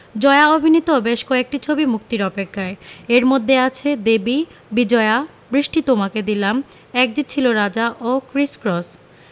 জয়া অভিনীত বেশ কয়েকটি ছবি মুক্তির অপেক্ষায় এর মধ্যে আছে দেবী বিজয়া বৃষ্টি তোমাকে দিলাম এক যে ছিল রাজা ও ক্রিস ক্রস